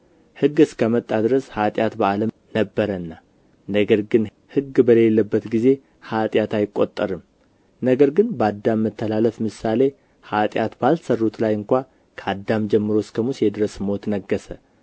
ሕግ እስከ መጣ ድረስ ኃጢአት በዓለም ነበረና ነገር ግን ሕግ በሌለበት ጊዜ ኃጢአት አይቈጠርም ነገር ግን በአዳም መተላለፍ ምሳሌ ኃጢአትን ባልሠሩት ላይ እንኳ ከአዳም ጀምሮ እስከ ሙሴ ድረስ ሞት ነገሠ